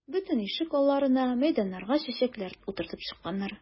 Бөтен ишек алларына, мәйданнарга чәчәкләр утыртып чыкканнар.